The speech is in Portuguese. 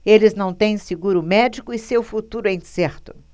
eles não têm seguro médico e seu futuro é incerto